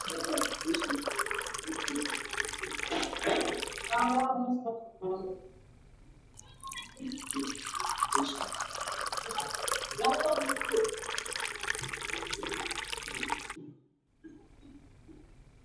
Waa xafaayad cunug yar ayaa ku sawiran yahay